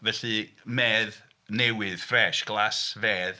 Felly medd newydd fresh glasfedd.